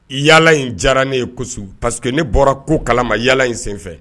I yalala in diyara ne ye paseke ne bɔra ko kala ma yaala in senfɛ